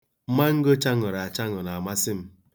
Mango chaṅụrụ achaṅụ na-amasị m.